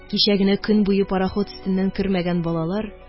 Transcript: Кичә генә көн буе парахут өстеннән кермәгән балалар